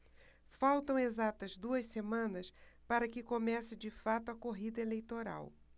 faltam exatas duas semanas para que comece de fato a corrida eleitoral